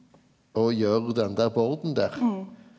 og gjer den der borden der.